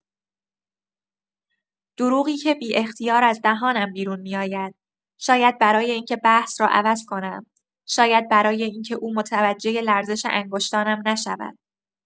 دروغی که بی‌اختیار از دهانم بیرون می‌آید، شاید برای این‌که بحث را عوض کنم، شاید برای این‌که او متوجه لرزش انگشتانم نشود.